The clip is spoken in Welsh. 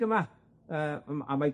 ###yma yy yym a mae...